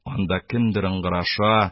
. анда кемдер ыңгыраша